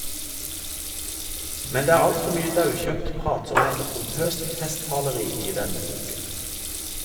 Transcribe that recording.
Men det er alt for mye daukjøtt, pratsomhet og pompøst festtaleri i denne boken.